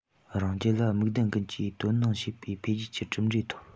རང རྒྱལ ལ མིག ལྡན ཀུན གྱིས དོ སྣང བྱེད པའི འཕེལ རྒྱས ཀྱི གྲུབ འབྲས ཐོབ